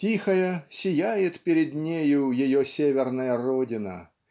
Тихая, сияет перед нею ее северная родина.